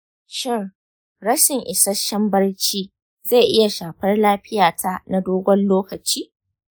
shin rashin isasshen barci zai iya shafar lafiyata na dogon lokaci?